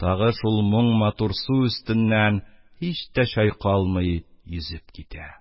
Тагы шул моң матур су өстеннән һич тә чайкалмый йөзеп китә.